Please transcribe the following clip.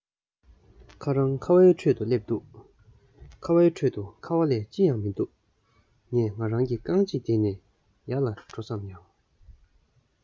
ཁ རང ཁ བའི ཁྲོད དུ སླེབས འདུག ཁ བའི ཁྲོད དུ ཁ བ ལས ཅི ཡང མི འདུག ངས ང རང གི རྐང རྗེས དེད ནས ཡར ལ འགྲོ བསམ ཡང